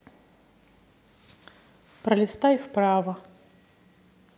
пролистай вправо